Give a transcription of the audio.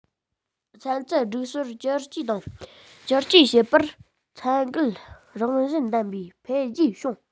ཚན རྩལ སྒྲིག སྲོལ བསྒྱུར བཅོས བྱེད པར ཚད བརྒལ རང བཞིན ལྡན པའི འཕེལ རྒྱས བྱུང